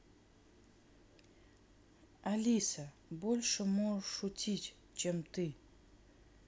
алиса больше можешь шутить чем ты